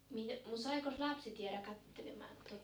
- mutta saikos lapset jäädä katselemaan -